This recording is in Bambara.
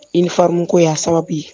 Uniforme ko y'a sababu ye